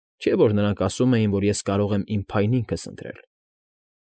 Չէ որ նրանք ասում էին, որ ես կարող եմ իմ փայն ինքս ընտրել։